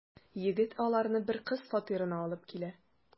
Егет аларны бер кыз фатирына алып килә.